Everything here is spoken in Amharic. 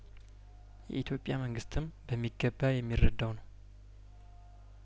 የኢትዮጵያ መንግስትም በሚገባ የሚረዳው ነው